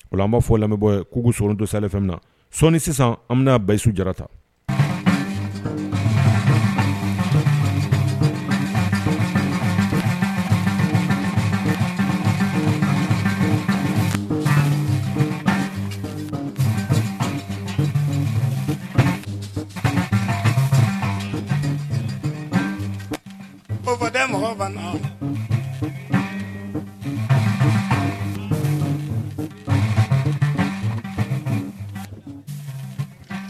O an b'a fɔ lamɛn bɔ'u so don sa sɔɔni sisan an bɛnaa basi su jara ta mɔgɔ